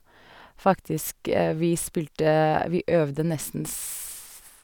Faktisk vi spilte vi øvde nesten s...